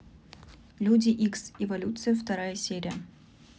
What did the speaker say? люди икс эволюция вторая серия